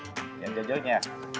để anh chơi trước nha